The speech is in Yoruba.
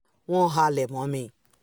Wọ́n halẹ̀ mọ́ mi!